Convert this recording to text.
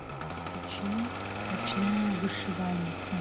включи ночная вышивальщица